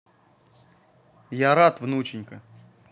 я рад внученька